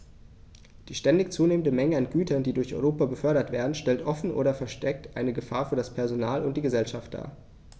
Die ständig zunehmende Menge an Gütern, die durch Europa befördert werden, stellt offen oder versteckt eine Gefahr für das Personal und die Gesellschaft dar.